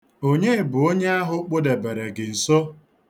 Onye bụ onye ahụ kpụdebere gị nso?